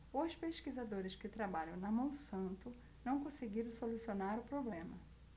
os pesquisadores que trabalham na monsanto não conseguiram solucionar o problema